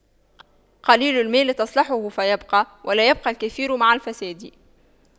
قليل المال تصلحه فيبقى ولا يبقى الكثير مع الفساد